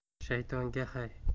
shaytonga hay